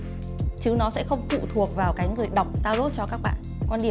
chứ nó sẽ không phụ thuộc vào cái người đọc ta rốt cho các bạn quan điểm